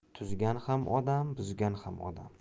tuzgan ham odam buzgan ham odam